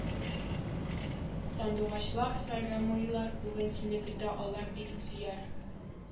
Сандугачлар сайрамыйлар бүген сине көтә алар илсөяр